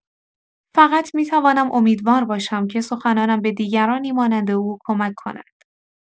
فقط می‌توانم امیدوار باشم که سخنانم به دیگرانی مانند او کمک کند.